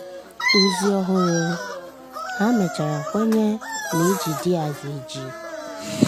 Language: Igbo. [Ozi Ọhụrụ: ha mechara kwenye na e ji Diaz eji]